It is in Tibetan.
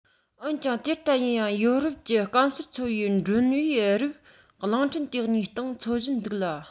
འོན ཀྱང དེ ལྟ ཡིན ཡང ཡོ རོབ ཀྱི སྐམ སར འཚོ བའི འགྲོན བུའི རིགས གླིང ཕྲན དེ གཉིས སྟེང འཚོ བཞིན འདུག ལ